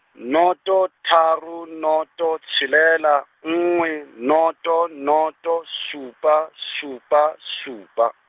noto tharo noto tshelela nngwe noto noto supa supa supa.